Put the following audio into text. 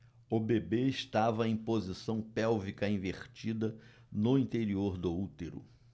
o bebê estava em posição pélvica invertida no interior do útero